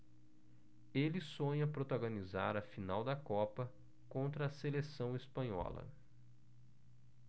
ele sonha protagonizar a final da copa contra a seleção espanhola